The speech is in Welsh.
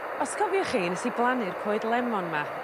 Os cofiwch chi nes i blannu'r coed lemon 'ma